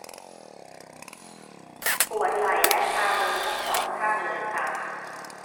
ปวดไหล่และชามือทั้งสองข้างเลยค่ะ